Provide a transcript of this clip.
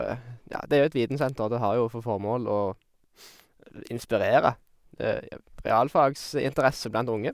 Ja, det er jo et vitensenter, det har jo for formål å inspirere realfagsinteresse blant unge.